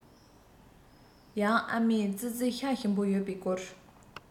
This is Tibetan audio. ཡང ཨ མས ཙི ཙིའི ཤ ཞིམ པོ ཡོད པའི སྐོར